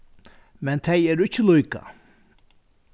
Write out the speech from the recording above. men tey eru ikki líka